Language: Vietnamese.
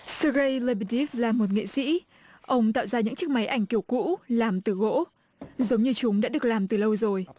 sơ rây lê bi tít là một nghệ sĩ ông tạo ra những chiếc máy ảnh kiểu cũ làm từ gỗ dường như chúng đã được làm từ lâu rồi